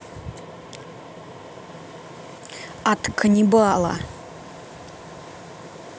от каннибала